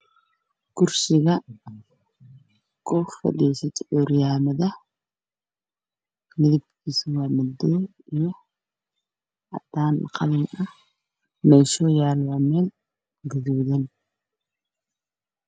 Kursiga ku fadhiisato curyaamada midabkiisu waa cadaan qalin ah